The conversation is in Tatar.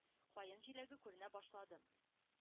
Каен җиләге күренә башлады.